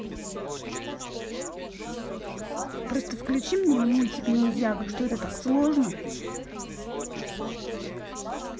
просто включи мне мультик ниндзяго что это так сложно